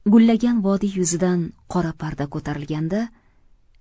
gullagan vodiy yuzidan qora parda ko'tarilganda